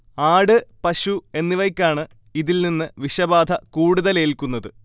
ആട്, പശു എന്നിവയ്ക്കാണ് ഇതിൽ നിന്ന് വിഷബാധ കൂടുതൽ ഏൽക്കുന്നത്